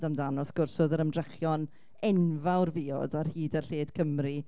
amdano, wrth gwrs, oedd yr ymdrechion enfawr fuodd ar hyd y lled Cymru.